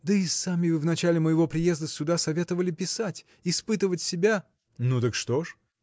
– Да и сами вы в начале моего приезда сюда советовали писать испытывать себя. – Ну так что ж?